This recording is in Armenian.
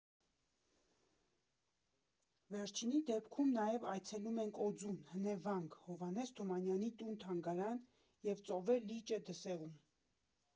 Վերջինի դեպքում նաև այցելում ենք Օձուն, Հնեվանք, Հովհաննես Թումանյանի տուն֊թանգարան և Ծովեր լիճը Դսեղում։